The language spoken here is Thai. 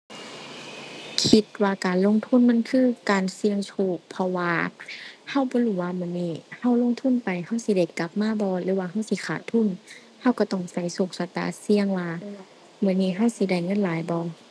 คิดว่าการลงทุนมันคือการเสี่ยงโชค เพราะว่า เราบ่รู้ว่ามื้อนี้เราลงทุนไปเราสิได้กลับมาบ่ หรือว่าเราสิขาดทุนเราเราต้องเราโชคชะตาเสี่ยงว่า มื้อนี้เราสิได้เงินหลายบ่